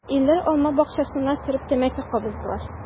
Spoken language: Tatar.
Ирләр алма бакчасына кереп тәмәке кабыздылар.